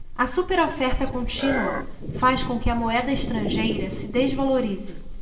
a superoferta contínua faz com que a moeda estrangeira se desvalorize